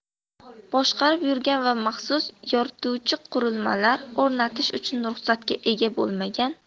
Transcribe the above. boshqarib yurgan va maxsus yorituvchi qurilmalar o'rnatish uchun ruxsatga ega bo'lmagan